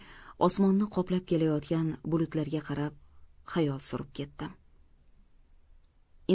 osmonni qoplab kelayotgan bulutlarga qarab xayol surib ketdim